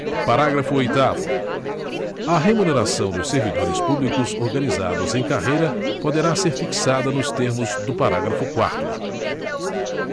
parágrafo oitavo a remuneração dos servidores públicos organizados em carreira poderá ser fixada nos termos do parágrafo quarto